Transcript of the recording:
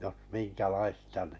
jos minkälaista niin